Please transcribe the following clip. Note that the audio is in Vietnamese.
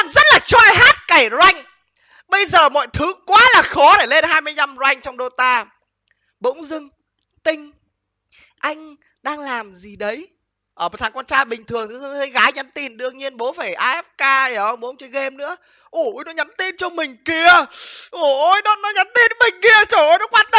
rất là choi hát cày ranh bây giờ mọi thứ quá là khó để lên hai mươi nhăm roanh trong đô ta bỗng dưng tinh anh đang làm gì đấy ở một thằng con trai bình thường thấy gái nhắn tin đương nhiên bố phải a ép ca hiểu không bố mày chơi gêm nữa ủ ui nó nhắn tin cho mình kìa ủa ôi nó nó nhắn tin với mình kìa chồ ôi nó quan tâm